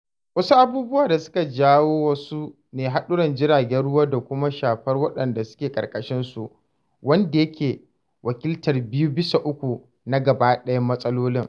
Wasu abubuwa da suke jawowa su ne haɗuran jiragen ruwan da kuma shafar waɗanda suke ƙarƙashinsu, wanda yake wakiltar biyu-bisa-uku na gaba ɗayan matsalolin